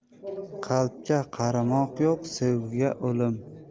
qalbga qarimoq yo'q sevgiga o'lim